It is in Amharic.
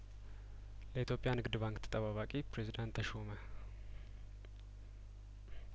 ለኢትዮጵያ ንግድ ባንክ ተጠባባቂ ፕሬዚዳንት ተሾመ